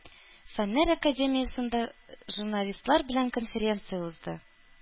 Фәннәр академиясендә журналистлар белән конференция узды.